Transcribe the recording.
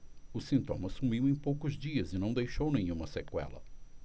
o sintoma sumiu em poucos dias e não deixou nenhuma sequela